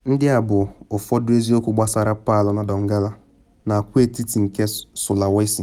Ndị a bụ ụfọdụ eziokwu gbasara Palu na Donggala, n’agwaetiti nke Sulawesi: